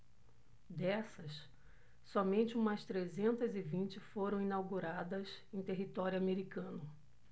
dessas somente umas trezentas e vinte foram inauguradas em território americano